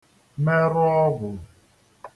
merụ ọgwụ̀